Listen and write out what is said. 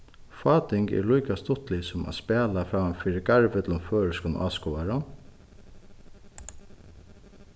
fá ting eru líka stuttlig sum at spæla framman fyri garvillum føroyskum áskoðarum